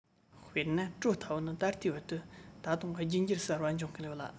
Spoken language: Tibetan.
དཔེར ན གྲོ ལྟ བུ ནི ད ལྟའི བར དུ ད དུང རྒྱུད འགྱུར གསར བ འབྱུང གིན ཡོད ལ